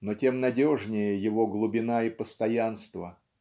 но тем надежнее его глубина и постоянство.